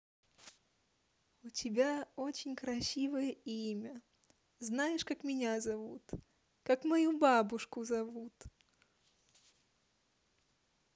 у тебя очень красивое имя знаешь как меня зовут как мою бабушку зовут